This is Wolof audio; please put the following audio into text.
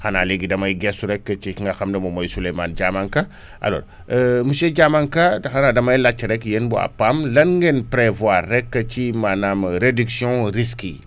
xanaa léegi damay gestu rek ci ki nga xam ne moom mooy Souleymane Diamanka alors monsieur Diamanka xanaa damay laajte rek yéen waa PAM lan ngeen prévoir rek ci maanaam réduction risques yi